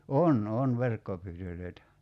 on on verkkopyytöjä